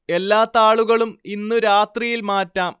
എല്ലാ താളുകളും ഇന്നു രാത്രിയിൽ മാറ്റാം